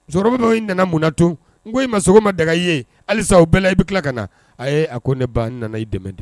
Zoroboto i nana mun na tun . N ko i ma sogo in ma daga i ye . Halisa o bɛɛ la i bi kila ka na . Ayi a ko ne ba n nana i dɛmɛ de